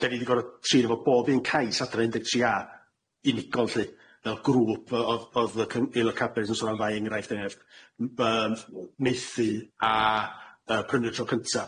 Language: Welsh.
dan ni di gor'o' tri'r efo bob un cais adre un deg tri a unigol lly fel grŵp yy o'dd o'dd y cym- aelo cabinet yn sôn am ddau enghraifft er enghraifft m- yym methu a yy prynuptial cynta.